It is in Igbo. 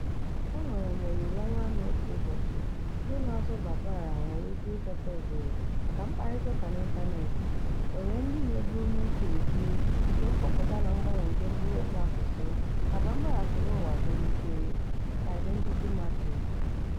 E nwere m olileanya na otu ụbọchị, ndị na-asụ Bambara nwere ike ịchọta oghere maka mkparịtaụka n'ịntaneetị, oghere ndị na-eburu n'uche uju nke mkpọpụta na mgbanwe nke mkpụrụokwu asụsụ, ka Bambara soro ụwa tolite #identitymatrix.